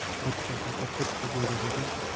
bitta faqat bitta derazadan